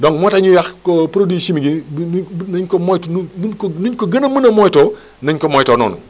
donc moo tax ñuy wax ko produit chimique yi bu na ñu ko moytu nu ñu ko gën a mën a moytoo na ñu ko moytoo noonu